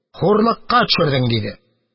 Хурлыкка төшердең, – диде.